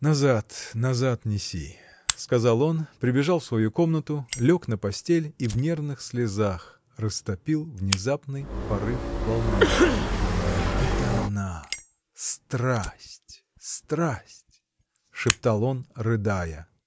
— Назад, назад неси, — сказал он, прибежал в свою комнату, лег на постель и в нервных слезах растопил внезапный порыв волнения. — Это она — страсть, страсть! — шептал он, рыдая.